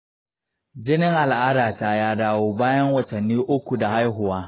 jinin al'ada ta ya dawo bayan watanni uku da haihuwa.